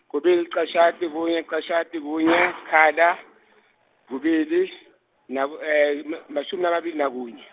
kubili lichashata kunye lichashata kunye, sikhala, kubili nabo ma- mashumi lamabili nakunye.